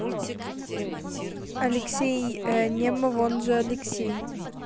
алексей немов он же алексей